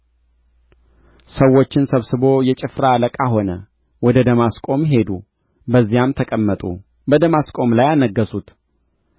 ሰዎችን ሰብስቦ የጭፍራ አለቃ ሆነ ወደ ደማስቆም ሄዱ በዚያም ተቀመጡ በደማስቆም ላይ አነገሡት